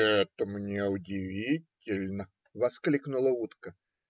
- Это мне удивительно! - воскликнула утка.